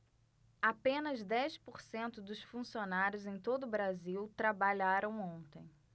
apenas dez por cento dos funcionários em todo brasil trabalharam ontem